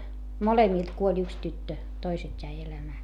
molemmilta kuoli yksi tyttö toiset jäi elämään